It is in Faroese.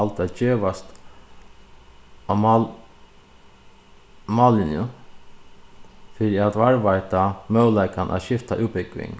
valdu at gevast á mál mállinjuni fyri at varðveita møguleikan at skifta útbúgving